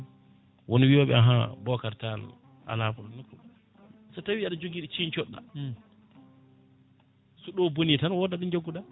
won wiyoɓe ahan Bocar Tall ala koɗo nokku so tawi aɗa jogui ɗo cincotoɗa so ɗo booni tan woda ɗo jagguɗa